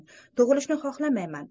tug'ilishni xohlamayman